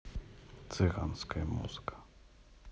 цыганская музыка